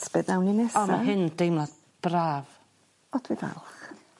beth nawn ni nesa? O ma' hyn yn deimlad braf. O dwi falch.